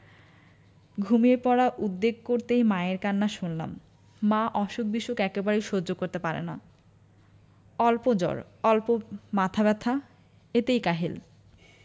ঘুমিয়ে পড়ার উদ্যোগ করতেই মায়ের কান্না শুনলাম মা অসুখ বিসুখ একেবারেই সহ্য করতে পারে না অল্প জ্বর অল্প মাথা ব্যাথা এতেই কাহিল